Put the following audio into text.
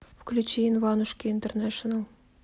включи иванушки интернешнл